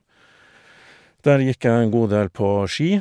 Der gikk jeg en god del på ski.